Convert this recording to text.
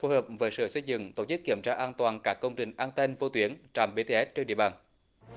phối hợp với sở xây dựng tổ chức kiểm tra an toàn các công trình ăng ten vô tuyến trạm bê tê ét trên địa bàn